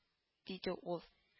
— диде ул